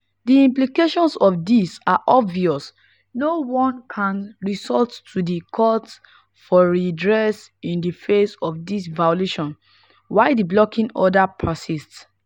The implications of this are obvious — no one can resort to the courts for redress in the face of this violation while the blocking order persists.